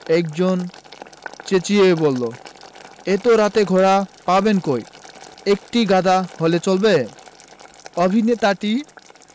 একজন চেঁচিয়ে বললো এত রাতে ঘোড়া পাবেন কই একটি গাধা হলে চলবে অভিনেতাটি